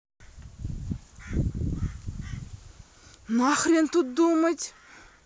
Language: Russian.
нехрен тут думать